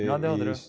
ja det hadde du.